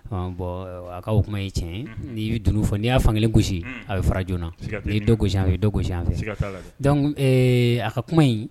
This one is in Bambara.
Bon a ka o kuma ye tiɲɛ ni bi dunun fɔ n'i y’a fan kelen gosi a bɛ fara joona n’i ye dɔ gosi yan a bi dɔ gosi yan fɛ a ka kuma in